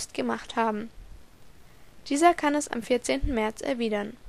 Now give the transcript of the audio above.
gemacht haben. Dieser kann es am 14. März erwidern